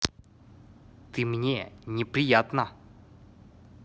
ты мне неприятна